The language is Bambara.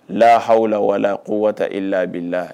La ha la wala ko waa e labila na